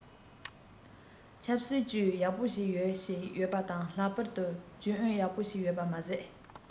ཆབ སྲིད ཅུད ཡག པོ ཞིག ཡོད ཞིག ཡོད པ དང ལྷག པར དུ རྒྱུན ཨུད ཡག པོ ཞིག ཡོད པ མ ཟད